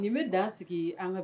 Nin bɛ dan sigi an ka